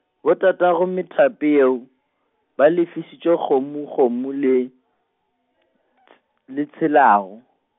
botatago methape yeo, ba lefišitšwe kgomo kgomo le, ts-, le tshelau.